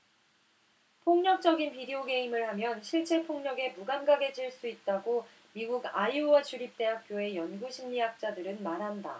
폭력적인 비디오 게임을 하면 실제 폭력에 무감각해질 수 있다고 미국 아이오와 주립 대학교의 연구 심리학자들은 말한다